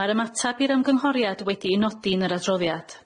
Mae'r ymatab i'r ymgynghoriad wedi'i nodi yn yr adroddiad.